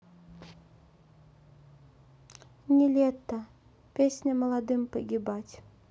niletto песня молодым погибать